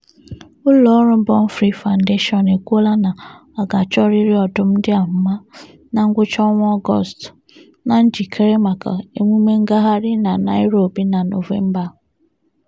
Ụlọọrụ Born Free Foundation ekwuola na a ga-achọrịrị ọdụm ndị a mma na ngwụcha ọnwa Ọgọst na njikere maka emume ngagharị na Nairobi na Nọvemba a.